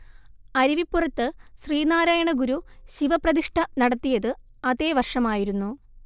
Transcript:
അരുവിപ്പുറത്തു് ശ്രീനാരായണഗുരു ശിവപ്രതിഷ്ഠ നടത്തിയതു് അതേ വർഷമായിരുന്നു